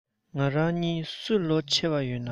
ང རང གཉིས སུ ལོ ཆེ བ ཡོད ན